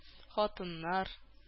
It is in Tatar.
Хатыннар